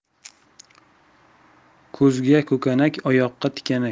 ko'zga ko'kanak oyoqqa tikanak